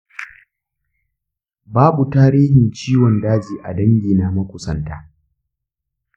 babu tarihin ciwo daji a dangina makusanta